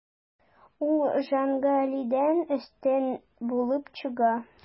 Ул Җангалидән өстен булып чыга.